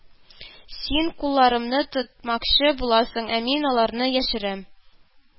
Син кулларымны тотмакчы буласың, ә мин аларны яшерәм,